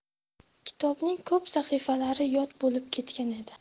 kitobning ko'p sahifalari yod bo'lib ketgan edi